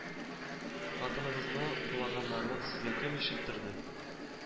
Хатыныгызны урлаганнарын сезгә кем ишеттерде